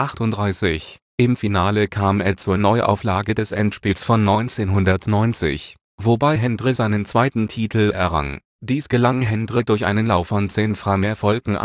Theatre. Im Finale kam es zur Neuauflage des Endspiels von 1990, wobei Hendry seinen zweiten Titel errang. Dies gelang Hendry durch einen Lauf von 10 Frameerfolgen